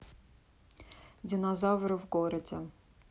динозавры в городе